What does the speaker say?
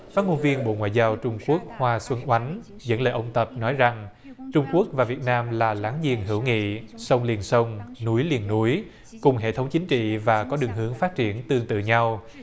phát ngôn viên bộ ngoại giao trung quốc hoa xuân oánh dẫn lời ông tập nói rằng trung quốc và việt nam là láng giềng hữu nghị sông liền sông núi liền núi cùng hệ thống chính trị và có đường hướng phát triển tương tự nhau